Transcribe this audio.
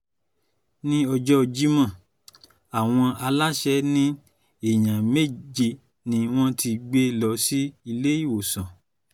Ní ọjọ́ Jímọ̀, àwọn aláṣẹ ní èèyàn méje ni wọ́n ti gbé lọ sí ilé-ìwòsàn.